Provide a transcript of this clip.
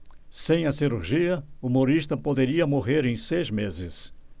sem a cirurgia humorista poderia morrer em seis meses